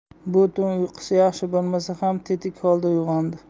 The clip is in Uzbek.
bu tun uyqusi yaxshi bo'lmasa ham tetik holda uyg'ondi